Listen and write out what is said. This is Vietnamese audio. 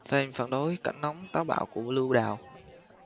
fan phản đối cảnh nóng táo bạo của lưu đào